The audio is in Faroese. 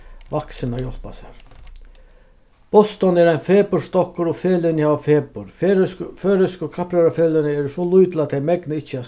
vaksin at hjálpa sær boston er ein fepurstokkur og feløgini hava fepur føroysku kappróðrarfeløgini eru so lítil at tey megna ikki at